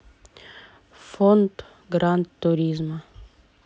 форд гранд туризмо